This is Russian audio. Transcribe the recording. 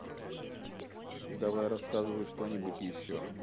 давай рассказывай что нибудь еще